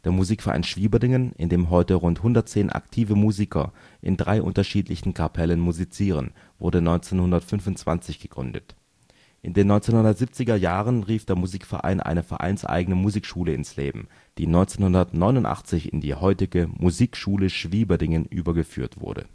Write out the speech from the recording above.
Musikverein Schwieberdingen, in dem heute rund 110 aktive Musiker in drei unterschiedlichen Kapellen musizieren, wurde 1925 gegründet. In den 1970er Jahren rief der Musikverein eine vereinseigene Musikschule ins Leben, die 1989 in die heutige Musikschule Schwieberdingen übergeführt wurde